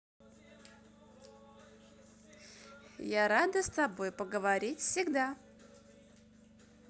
я рада с тобой поговорить всегда